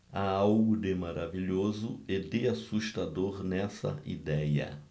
há algo de maravilhoso e de assustador nessa idéia